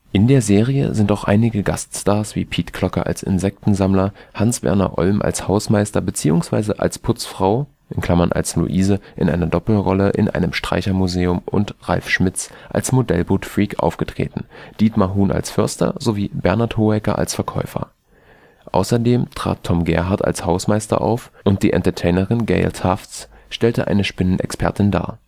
In der Serie sind auch einige Gaststars wie Piet Klocke als Insektensammler, Hans Werner Olm als Hausmeister bzw. als Putzfrau (als Luise) in einer Doppelrolle in einem Streichermuseum und Ralf Schmitz als Modellbootfreak aufgetreten, Dietmar Huhn als Förster, sowie Bernhard Hoëcker als Verkäufer. Außerdem trat Tom Gerhardt als Hausmeister auf und die Entertainerin Gayle Tufts stellte eine Spinnenexpertin dar